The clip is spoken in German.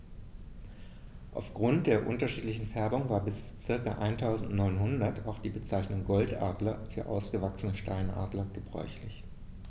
Auf Grund der unterschiedlichen Färbung war bis ca. 1900 auch die Bezeichnung Goldadler für ausgewachsene Steinadler gebräuchlich.